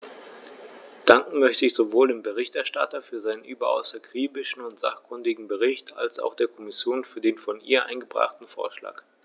Danken möchte ich sowohl dem Berichterstatter für seinen überaus akribischen und sachkundigen Bericht als auch der Kommission für den von ihr eingebrachten Vorschlag.